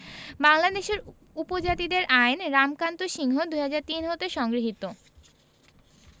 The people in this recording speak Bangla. বাংলাদেশের উপজাতিদের আইন রামকান্ত সিংহ ২০০৩ হতে সংগৃহীত